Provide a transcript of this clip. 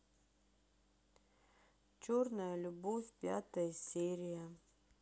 черная любовь пятая серия